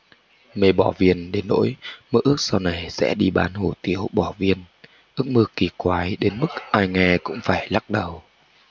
mê bò viên đến nỗi mơ ước sau này sẽ đi bán hủ tiếu bò viên ước mơ kỳ quái đến mức ai nghe cũng phải lắc đầu